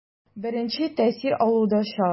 Беренче тәэсир алдаучан.